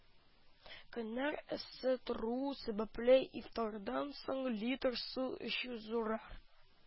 Көннәр эссе тору сәбәпле, ифтардан соң литр су эчү зурар